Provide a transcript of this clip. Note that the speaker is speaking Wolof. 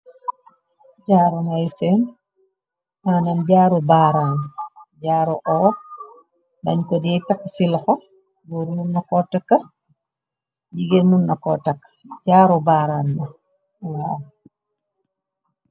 jaaru may seen nanam jaaru baaraan jaaru oor dañ ko dée tax ci loxo buur nun na ko tëkka jige nun na ko tëkk jaaru baaraan naa